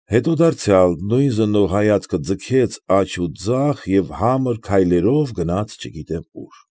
Հետո դարձյալ նույն զննող հայացքը ձգեց աջ ու ձախ և համր քայլերով գնաց չգիտեմ ուր։